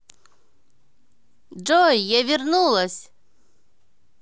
джой я вернулась